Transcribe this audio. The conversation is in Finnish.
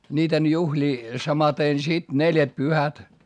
niiden juhlia samaten sitten neljätpyhät